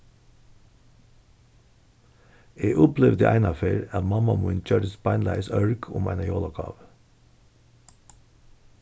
eg upplivdi einaferð at mamma mín gjørdist beinleiðis ørg um eina jólagávu